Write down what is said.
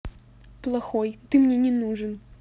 плохой ты мне не нужен